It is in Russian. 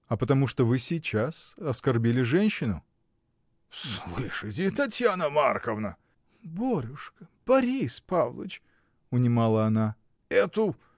— А потому что вы сейчас оскорбили женщину. — Слышите, Татьяна Марковна! — Борюшка! Борис Павлыч! — унимала она. — Эту.